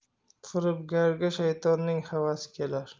firibgaiga shaytonning havasi kelar